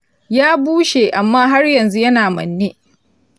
ya bushe amma har yanzu yana manne.